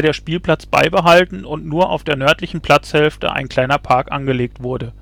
Spielplatz beibehalten und nur auf der nördlichen Platzhälfte ein kleiner Park angelegt wurde